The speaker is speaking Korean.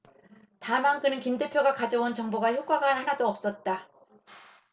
다만 그는 김 대표가 가져온 정보가 효과가 하나도 없었다